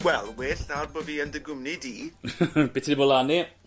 Wel well nawr bo' fi yn dy gwmni di. Be' ti 'di bo' lan i?